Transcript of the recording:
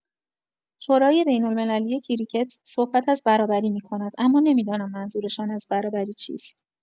شورای بین‌المللی کریکت صحبت از برابری می‌کند، اما نمی‌دانم منظورشان از برابری چیست.